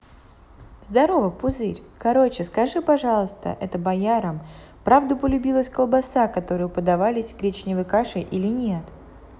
здорово пузырь короче скажи пожалуйста это боярам правда полюбилась колбаса которую подавались гречневой кашей или нет